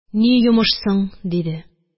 Ни йомыш соң? – диде